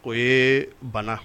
O yee bana